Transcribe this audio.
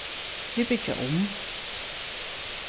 vit byggja um